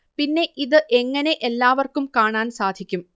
പിന്നെ ഇത് എങ്ങനെ എല്ലാവർക്കും കാണാൻ സാധിക്കും